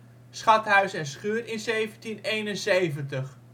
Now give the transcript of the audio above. en schuur in 1771). Het klooster